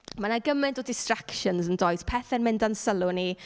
Ma' 'na gymaint o distractions, yn does, pethau'n mynd â'n sylw ni.